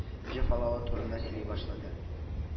Җәфалавы турында сөйли башлады